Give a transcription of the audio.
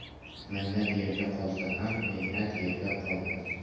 minnat yerda qolsa ham mehnat yerda qolmas